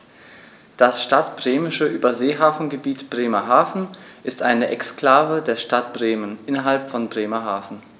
Das Stadtbremische Überseehafengebiet Bremerhaven ist eine Exklave der Stadt Bremen innerhalb von Bremerhaven.